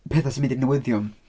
Pethau sy'n mynd i'r newyddion.